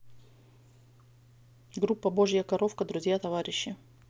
группа божья коровка друзья товарищи